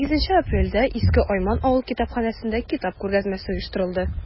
8 апрельдә иске айман авыл китапханәсендә китап күргәзмәсе оештырылды.